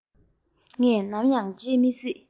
ངས ནམ ཡང བརྗེད མི སྲིད